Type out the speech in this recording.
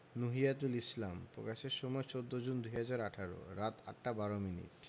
নুহিয়াতুল ইসলাম প্রকাশের সময় ১৪জুন ২০১৮ রাত ৮টা ১২ মিনিট